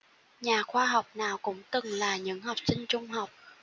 nhà khoa học nào cũng từng là những học sinh trung học